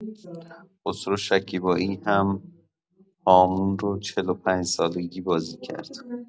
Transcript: خسرو شکیبایی هم‌هامون رو ۴۵ سالگی بازی کرد.